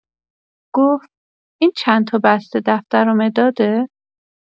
گفت: «این چند تا بسته دفتر و مداده.»